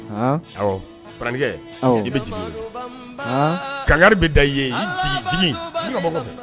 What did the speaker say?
Kɛ i bɛ jigin kangari bɛ da i ye